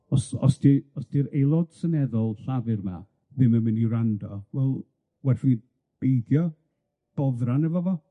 Os os 'di os 'di'r Aelod Seneddol Llafur 'ma ddim yn mynd i wrando, wel, werth i fi beidio boddran efo fo.